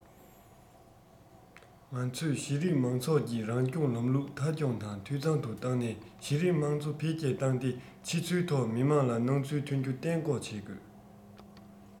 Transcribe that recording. ང ཚོས གཞི རིམ མང ཚོགས ཀྱི རང སྐྱོང ལམ ལུགས མཐའ འཁྱོངས དང འཐུས ཚང དུ བཏང ནས གཞི རིམ དམངས གཙོ འཕེལ རྒྱས བཏང སྟེ ཕྱི ཚུལ ཐོག མི དམངས ལ སྣང ཚུལ ཐོན རྒྱུ གཏན འགོག བྱེད དགོས